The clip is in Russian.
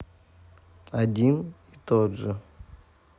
один и тот же